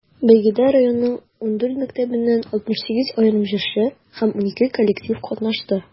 Бәйгедә районның 14 мәктәбеннән 68 аерым җырчы һәм 12 коллектив катнашты.